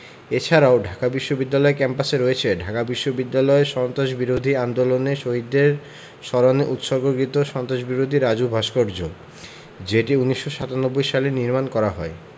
এ ছাড়াও ঢাকা বিশ্ববিদ্যালয় ক্যাম্পাসে রয়েছে ঢাকা বিশ্ববিদ্যালয়ে সন্ত্রাসবিরোধী আন্দোলনে শহীদদের স্মরণে উৎসর্গকৃত সন্ত্রাসবিরোধী রাজু ভাস্কর্য যেটি১৯৯৭ সালে নির্মাণ করা হয়